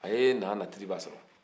a ye nana kiriba sɔrɔ